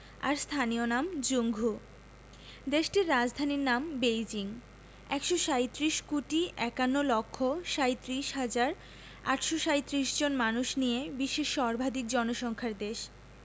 আর স্থানীয় নাম ঝুংঘু দেশটির রাজধানীর নাম বেইজিং ১৩৭ কোটি ৫১ লক্ষ ৩৭ হাজার ৮৩৭ জন মানুষ নিয়ে বিশ্বের সর্বাধিক জনসংখ্যার দেশ